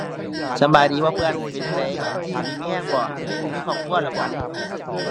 สำบายดีบ่เพื่อน เป็นจั่งใด อยู่ดีมีแรงบ่ มีครอบครัวแล้วบ่